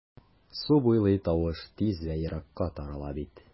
Су буйлый тавыш тиз вә еракка тарала бит...